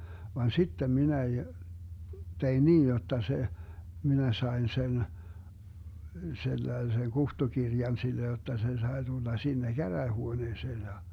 vaan sitten minä - tein niin jotta se minä sain sen sellaisen kutsukirjan sille jotta se sai tulla sinne käräjähuoneeseen ja